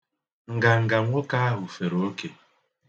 Nganga nwoke ahụ fere ofe.